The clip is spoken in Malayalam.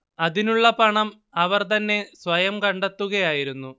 അതിനുള്ള പണം അവർ തന്നെ സ്വയം കണ്ടെത്തുകയായിരുന്നു